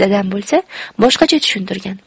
dadam bo'lsa boshqacha tushuntirgan